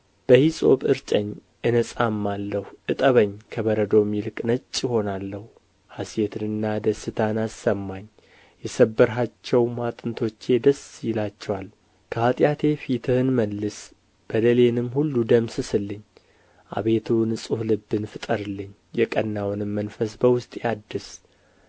በሂሶጵ እርጨኝ እነጻማለሁ እጠበኝ ከበረዶም ይልቅ ነጭ እሆናለሁ ሐሤትንና ደስታን አሰማኝ የሰበርሃቸውም አጥንቶቼ ደስ ይላቸዋል ከኃጢአቴ ፊትህን መልስ በደሌንም ሁሉ ደምስስልኝ አቤቱ ንጹሕ ልብን ፍጠርልኝ የቀናውንም መንፈስ በውስጤ አድስ